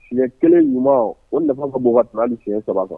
Tiɲɛ kelen ɲuman o nafa ka mɔgɔw ka t ni tiɲɛɲɛ saba kan